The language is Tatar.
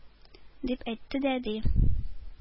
— дип әйтте дә, ди